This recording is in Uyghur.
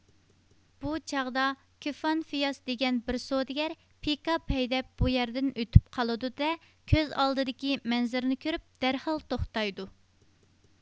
بۇ چاغدا كىفانىفياس دېگەن بىر سودىگەر پىكاپ ھەيدەپ بۇ يەردىن ئۆتۈپ قالىدۇ دە كۆز ئالدىدىكى مەنزىرىنى كۆرۈپ دەرھال توختايدۇ